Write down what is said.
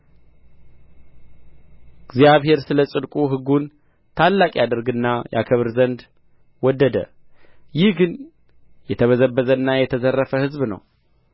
እግዚአብሔር ስለ ጽድቁ ሕጉን ታላቅ ያደርግና ያከብር ዘንድ ወደደ ይህ ግን የተበዘበዘና የተዘረፈ ሕዝብ ነው